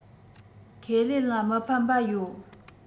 ཁེ ལས ལ མི ཕན པ ཡོད